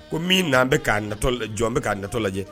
Ko minan' jɔn bɛ ka' natɔ lajɛ